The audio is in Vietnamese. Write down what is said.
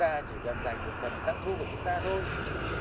ta chỉ cần dành một phần tăng thu của chúng ta thôi